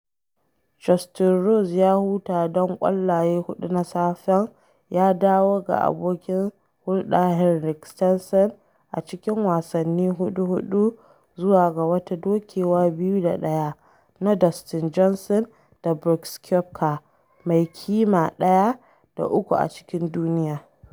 Justin Rose, ya huta don ƙwallaye huɗu na safen, ya dawo ga abokin hulɗa Henrik Stenson a cikin wasannin huɗu-huɗu zuwa ga wata dokewa 2 da 1 ci na Dustin Johnson da Brooks Koepka - mai kima ɗaya da uku a cikin duniya.